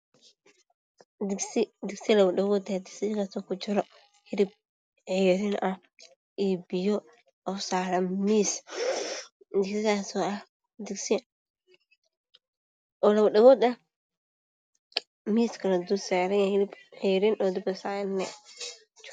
Digsi laba dhagood ah digsigaasow ku jira hilib ee hilib cad iyo biyo oo saran miis Biyahaaso ah digsi oo laba dhagood ah miiskana dulsaran yahay hilib cayriin ah oo daba saaran ah